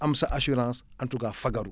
am sa assuarnce en tout cas fagaru